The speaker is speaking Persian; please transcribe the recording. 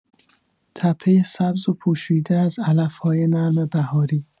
تپه سبز و پوشیده از علف‌های نرم بهاری